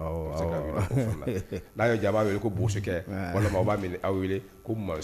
N'a ye jaabi weele kokɛ bɔn' minɛ aw